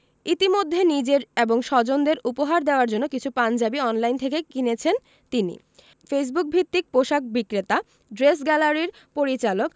ইতিমধ্যে নিজের এবং স্বজনদের উপহার দেওয়ার জন্য কিছু পাঞ্জাবি অনলাইন থেকে কিনেছেন তিনি ফেসবুকভিত্তিক পোশাক বিক্রেতা ড্রেস গ্যালারির পরিচালক